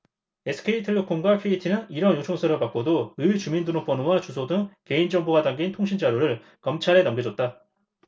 에스케이텔레콤과 케이티는 이런 요청서를 받고도 의 주민등록번호와 주소 등 개인정보가 담긴 통신자료를 검찰에 넘겨줬다